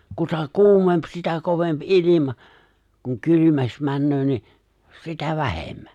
kuta kuumempi sitä kovempi ilma kun kylmemmäksi menee niin sitä vähemmän